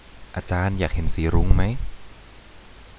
อาจารย์อยากเห็นสีรุ้งมั้ย